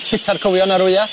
bita'r cywion ar wya'.